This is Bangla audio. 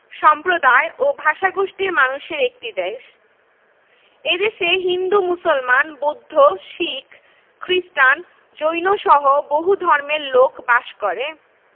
সম্প্রদায় ও ভাষাগোষ্ঠীর মানুষের একটি দেশ এ দেশে হিন্দু মুসলমান বৌদ্ধ শিখ খ্রিস্টান জৈনসহ বহু ধর্মের লোক বাস করে